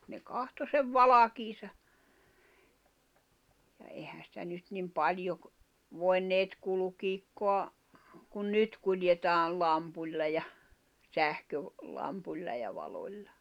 ne katsoi sen valkeansa ja eihän sitä nyt niin paljon - voineet kulkea kuin nyt kuljetaan lampulla ja - sähkölampulla ja valolla